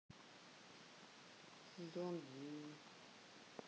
don't die